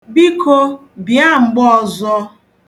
Biko, bịa mgbe ọzọ.